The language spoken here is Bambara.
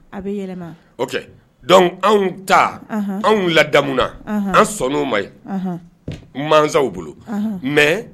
A bɛ yɛlɛma. Ok, donc anw ta,. Anhan! Anw ladamu na. Anhan! An sɔnna o ma yen. Anhan! Mansaw bolo. Anhan! Mais